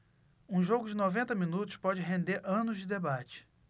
um jogo de noventa minutos pode render anos de debate